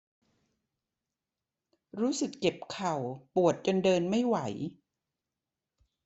รู้สึกเจ็บเข่าปวดจนเดินไม่ไหว